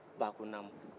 ba ko naamu